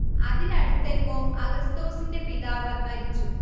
അതിനടുത്തെങ്ങോ അഗസ്തോസിന്റെ പിതാവ് മരിച്ചു